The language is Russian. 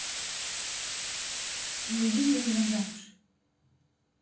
выйдешь за меня замуж